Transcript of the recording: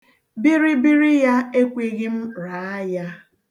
Bịrịbịrị ya ekweghị m raa ya.